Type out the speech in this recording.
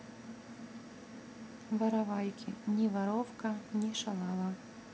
воровайки ни воровка ни шалава